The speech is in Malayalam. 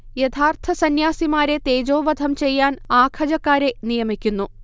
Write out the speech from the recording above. യഥാർത്ഥ സന്യാസിമാരെ തേജോവധം ചെയ്യാൻ ആഹാജക്കാരെ നിയമിക്കുന്നു